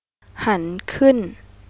หันขึ้น